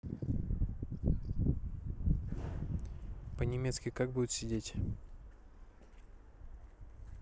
по немецки как будет сидеть